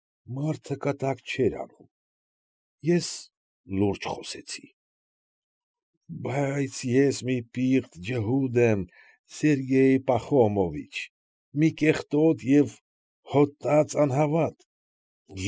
Մարդը կատակ չէր անում, ես էլ լուրջ խոսեցի. ֊ Բայց ես մի պիղծ ջհուդ եմ, Սերգեյ Պախոմովիչ, մի կեղտոտ և հոտած անհավատ։